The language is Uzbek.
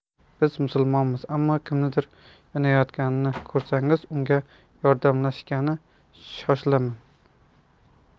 biz musulmonmiz ammo kimnidir yonayotganini ko'rsangiz unga yordamlashgani shoshilaman